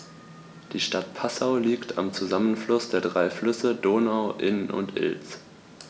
Die Stadt Passau liegt am Zusammenfluss der drei Flüsse Donau, Inn und Ilz.